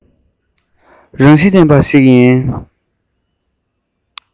རང བཞིན ལྡན པ ཞིག ཡིན